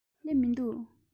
སླེབས མི འདུག